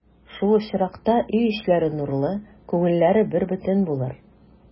Шул очракта өй эчләре нурлы, күңелләре бербөтен булыр.